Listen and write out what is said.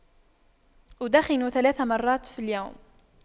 أدخن ثلاث مرات في اليوم